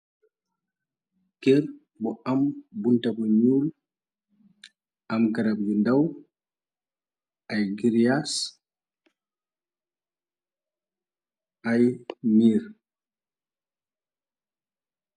Kër bu am buntu bu ñuul am garap yu ndaw ay giriyas ay miir.